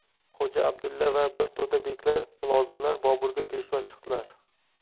xo'ja abdulla va bir to'da beklar mulozimlar boburga peshvoz chiqdilar